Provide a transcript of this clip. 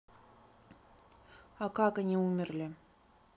а как они умерли